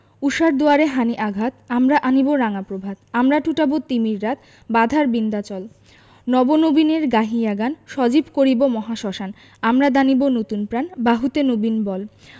ঊষার দুয়ারে হানি' আঘাত আমরা আনিব রাঙা প্রভাত আমরা টুটাব তিমির রাত বাধার বিন্ধ্যাচল নব নবীনের গাহিয়া গান সজীব করিব মহাশ্মশান আমরা দানিব নতুন প্রাণ বাহুতে নবীন বল